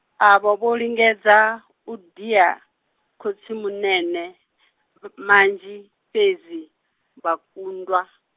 avha vho lingedza, u dia, khotsimunene, Madzhie, fhedzi, vha kundwa.